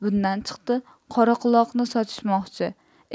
bundan chiqdi qoraquloqni sotishmoqchi